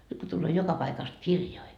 nyt kun tulee joka paikasta kirjoja